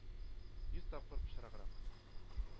Йөз тапкыр пычраграк.